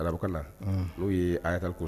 Arabukala n' ye akari